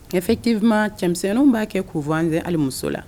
Nefetma cɛmisɛnninw b'a kɛ k'u w ali muso la